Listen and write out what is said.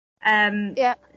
yym ia